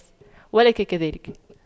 ولك كذلك